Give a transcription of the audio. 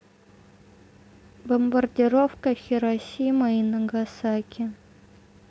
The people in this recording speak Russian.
бомбардировка хиросима и нагасаки